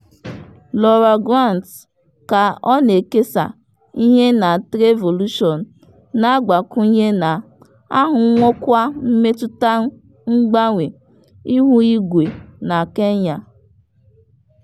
Laura Grant, ka ọ na-ekesa ihe na Treevolution, na-agbakwụnye na a hụwokwa mmetụta mgbanwe ihu igwe na Kenya.